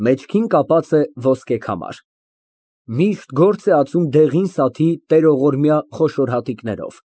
Մեջքին կապած ոսկե քամար։ Միշտ գործ է ածում դեղին սաթի տերողորմյա խոշոր հատիկներով։